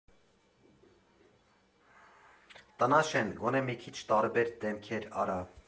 ֊ Տնաշեն, գոնե մի քիչ տարբեր դեմքեր արա։